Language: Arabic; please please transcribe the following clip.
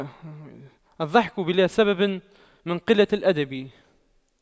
الضحك بلا سبب من قلة الأدب